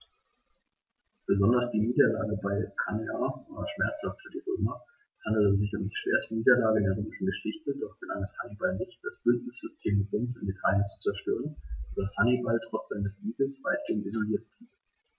Besonders die Niederlage bei Cannae war schmerzhaft für die Römer: Es handelte sich um die schwerste Niederlage in der römischen Geschichte, doch gelang es Hannibal nicht, das Bündnissystem Roms in Italien zu zerstören, sodass Hannibal trotz seiner Siege weitgehend isoliert blieb.